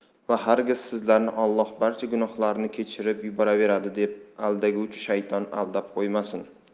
va hargiz sizlarni olloh barcha gunohlarni kechirib yuboraveradi deb aldaguvchi shayton aldab qo'ymasin